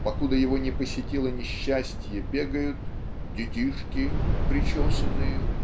покуда его не посетило несчастье бегают "детишки причесанные